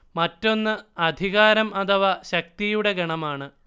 മറ്റൊന്ന് അധികാരം അഥവാ ശക്തിയുടെ ഗണമാണ്